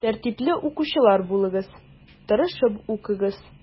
Тәртипле укучылар булыгыз, тырышып укыгыз.